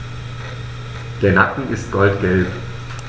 Der Nacken ist goldgelb.